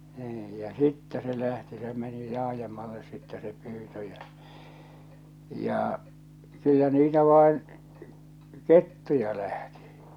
niin ja sitten se lähti se meni laajemmalle sitten se pyynti ja ja kyllä niitä vain kettuja lähti